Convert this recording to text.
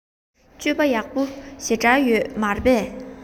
སྤྱོད པ ཡག པོ ཞེ དྲགས ཡོད མ རེད